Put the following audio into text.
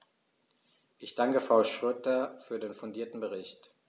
Ich danke Frau Schroedter für den fundierten Bericht.